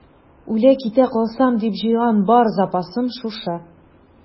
Үлә-китә калсам дип җыйган бар запасым шушы.